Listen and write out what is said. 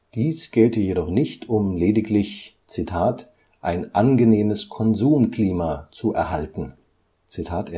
Dies gelte jedoch nicht, um lediglich „ ein angenehmes Konsumklima zu erhalten “. Das